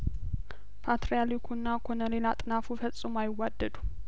ፓትርያልኩና ኮሎኔል አጥናፉ ፈጽሞ አይዋደዱም